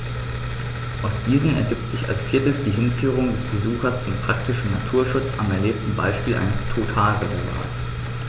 Aus diesen ergibt sich als viertes die Hinführung des Besuchers zum praktischen Naturschutz am erlebten Beispiel eines Totalreservats.